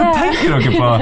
hva tenker dere på?